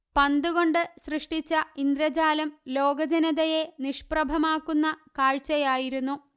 പന്തുകൊണ്ട് സൃഷ്ടിച്ച ഇന്ദ്രജാലം ലോക ജനതയെ നിഷ്പ്രഭമാക്കുന്ന കാഴ്ചയായിരുന്നു